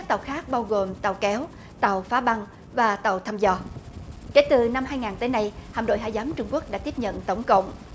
tàu khác bao gồm tàu kéo tàu phá băng và tàu thăm dò kể từ năm hai ngàn tới nay hạm đội hải giám trung quốc đã tiếp nhận tổng cộng